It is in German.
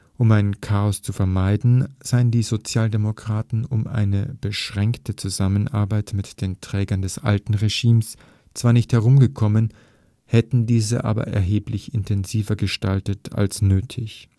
Um ein Chaos zu vermeiden, seien die Sozialdemokraten um eine „ beschränkte Zusammenarbeit mit den Trägern des alten Regimes “zwar nicht herumgekommen, hätten diese aber erheblich intensiver gestaltet als nötig